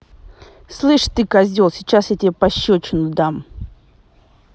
слышь ты козел сейчас я тебе пощечину там